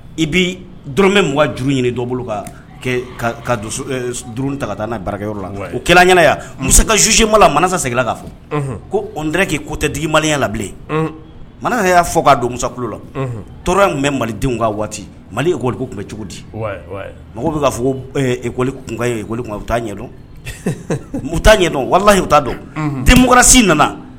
I bɛ dmɛ waju ɲini dɔ bolourun ta taa n'a barayɔrɔ la o ɲɛna yan muso ka zusiemaama la mana seginna k ka fɔ ko n tɛ k'i ko tɛtigiigi maliya la bilen mana y'a fɔ k'a don mukulu la tɔɔrɔ in tun bɛ malidenw ka waati mali e koli tun bɛ cogo di mɔgɔ bɛ'a fɔli kunkan bɛ taa ɲɛdɔn mu ɲɛdɔn wariyi u dɔn den mlasi nana